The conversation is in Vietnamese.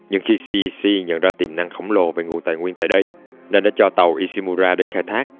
nhưng khi cec nhận ra tiềm năng khổng lồ về nguồn tài nguyên tại đây nên đã cho tàu ishimura đến khai thác